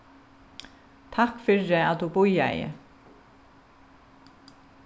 takk fyri at tú bíðaði